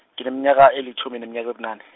ngineminyaka elitjhumi neminyaka ebunane.